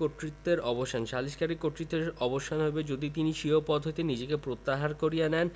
কর্তৃত্বের অবসানঃ ১ সালিসকারীর কর্তৃত্বের অবসান হইবে যদি ক তিনি স্বীয় পদ হইতে নিজেকে প্রত্যাহার করিয়া নেন